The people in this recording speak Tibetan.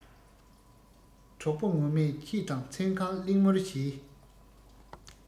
གྲོགས པོ ངོ མས ཁྱེད དང མཚན གང གླེང མོལ བྱས